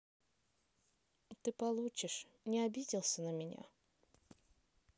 ты получишь не обиделся на меня